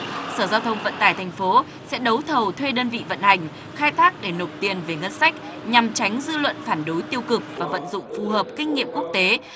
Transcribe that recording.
sở giao thông vận tải thành phố sẽ đấu thầu thuê đơn vị vận hành khai thác để nộp tiền về ngân sách nhằm tránh dư luận phản đối tiêu cực và vận dụng phù hợp kinh nghiệm quốc tế